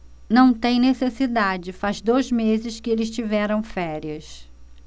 não tem necessidade faz dois meses que eles tiveram férias